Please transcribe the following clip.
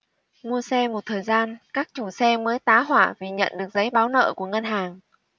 mua xe một thời gian các chủ xe mới tá hỏa vì nhận được giấy báo nợ của ngân hàng